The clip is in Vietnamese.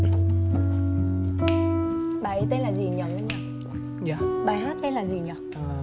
bài ấy tên là gì nhở minh nhở bài hát tên là gì nhở